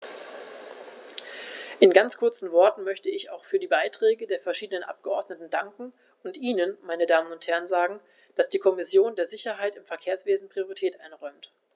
In ganz kurzen Worten möchte ich auch für die Beiträge der verschiedenen Abgeordneten danken und Ihnen, meine Damen und Herren, sagen, dass die Kommission der Sicherheit im Verkehrswesen Priorität einräumt.